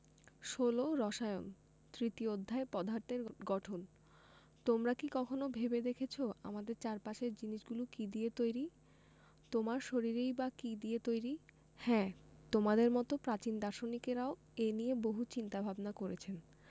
১৬ রসায়ন তৃতীয় অধ্যায় পদার্থের গঠন তোমরা কি কখনো ভেবে দেখেছ আমাদের চারপাশের জিনিসগুলো কী দিয়ে তৈরি তোমার শরীরই বা কী দিয়ে তৈরি হ্যাঁ তোমাদের মতো প্রাচীন দার্শনিকেরাও এ নিয়ে বহু চিন্তা ভাবনা করেছেন